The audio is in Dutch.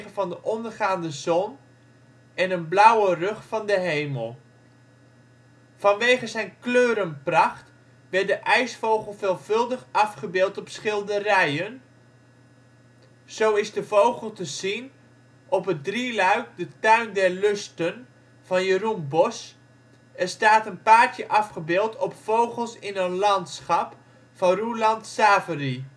van de ondergaande zon en een blauwe rug van de hemel. Vanwege zijn kleurenpracht werd de ijsvogel veelvuldig afgebeeld op schilderijen. Zo is de soort te zien op het drieluik De Tuin der Lusten van Jeroen Bosch en staat een paartje afgebeeld op Vogels in een landschap van Roelant Savery